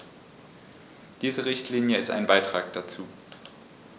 Diese Richtlinie ist ein Beitrag dazu.